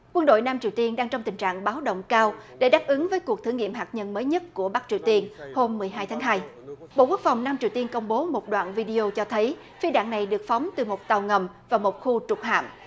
quân đội nam triều tiên đang trong tình trạng báo động cao để đáp ứng với cuộc thử nghiệm hạt nhân mới nhất của bắc triều tiên hôm mười hai tháng hai bộ quốc phòng năm triều tiên công bố một đoạn vi đi ô cho thấy phi đạn này được phóng từ một tàu ngầm và một khu trục hạm